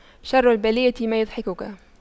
شر البلية ما يضحك